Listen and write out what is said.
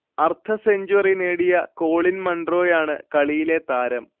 അർധ സെഞ്ച്വറി നേടിയ കോളിൻ മൺറോയാണ് കളിയിലെ താരം